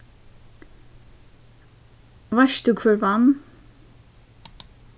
veitst tú hvør vann